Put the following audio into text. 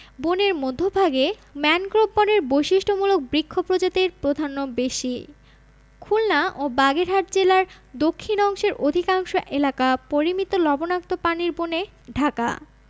বনের মধ্যভাগে ম্যানগ্রোভ বনের বৈশিষ্ট্যমূলক বৃক্ষ প্রজাতির প্রধান্য বেশি খুলনা ও বাগেরহাট জেলার দক্ষিণ অংশের অধিকাংশ এলাকা পরিমিত লবণাক্ত পানির বনে ঢাকা